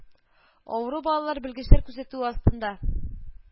Авыру балалар белгечләр күзәтүе астында